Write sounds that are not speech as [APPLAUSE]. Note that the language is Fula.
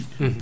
[HESITATION] [HESITATION]